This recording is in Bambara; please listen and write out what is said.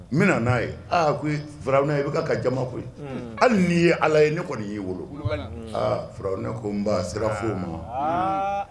N bɛna na n'a ye aaa fara i bɛ ka jama koyi hali n' ye ala ye ne kɔni y'i wolo fara ne ko n' siran foyi o ma